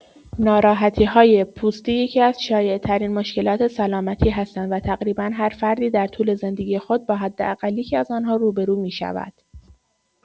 ناراحتی‌های پوستی یکی‌از شایع‌ترین مشکلات سلامتی هستند و تقریبا هر فردی در طول زندگی خود با حداقل یکی‌از آن‌ها روبه‌رو می‌شود.